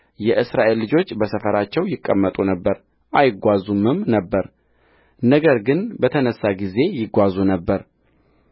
የእስራኤል ልጆች በሰፈራቸው ይቀመጡ ነበር አይጓዙምም ነበር ነገር ግን በተነሣ ጊዜ ይጓዙ ነበር